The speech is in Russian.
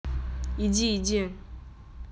иди иди